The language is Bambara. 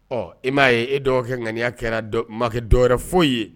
Ɔ e m'a ye e dɔgɔ kɛ ŋaniya kɛra makɛ dɔwɛrɛ foyi ye